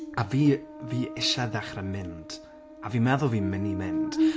A fi- fi isie ddechrau mynd a fi meddwl fi'n mynd i mynd